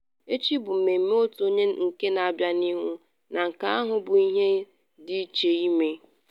Echi bụ mmemme otu onye nke na-abịa n’ihu, na nke ahụ bụ ihe dị iche ime.